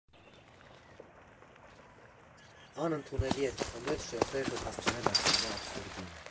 Անընդունելի էր՝ քանդել շերտերն ու հասցնել այսօրվա աբսուրդին։